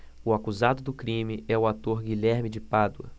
o acusado do crime é o ator guilherme de pádua